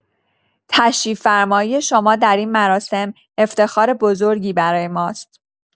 تشریف‌فرمایی شما در این مراسم افتخار بزرگی برای ماست.